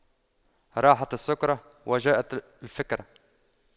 راحت السكرة وجاءت الفكرة